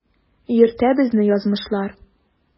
Йөртә безне язмышлар.